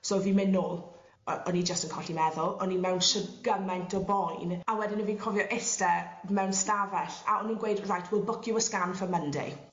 So o'dd fi'n myn' nôl a o'n i jyst yn colli meddwl o'n i mewn shwd gyment o boen a wedyn 'yf fi'n cofio iste mewn stafell a o'n nw'n gweud right we'll book you a scan for Monday